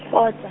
gotsa.